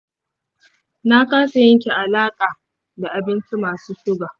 na kasa yanke alaƙa da abinci masu suga.